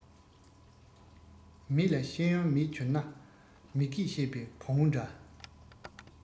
མི ལ ཤེས ཡོན མེད འགྱུར ན མི སྐད ཤེས པའི བོང བུ འདྲ